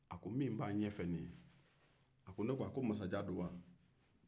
a ko min b'a ɲɛfɛ nin ye ne ko masajan don wa